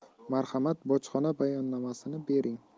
marhamat bojxona bayonnomasini bering